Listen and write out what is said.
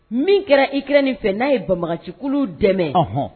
Min kɛra ikra nin fɛ n'a ye bamakɔcikulu dɛmɛ hɔn